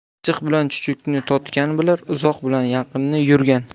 achchiq bilan chuchukni totgan bilar uzoq bilan yaqinni yurgan